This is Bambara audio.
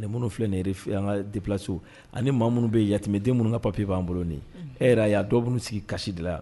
Mɛ minnu filɛ ninre an ka deso ani maa minnu bɛ yamɛden minnu ka papi'an bolo e a y'a minnu sigi kasi de yan